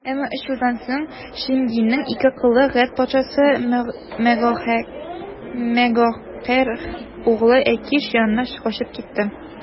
Әмма өч елдан соң Шимгыйның ике колы Гәт патшасы, Мәгакәһ углы Әкиш янына качып китте.